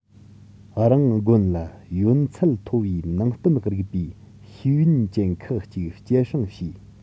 རང དགོན ལ ཡོན ཚད མཐོ བའི ནང བསྟན རིག པའི ཤེས ཡོན ཅན ཁག ཅིག སྐྱེད བསྲིང བྱས